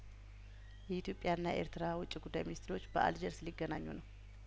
የኢትዮጵያ ና ኤርትራ ውጭ ጉዳይ ሚኒስትሮች በአልጀርስ ሊገናኙ ነው